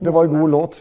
det var ei god låt.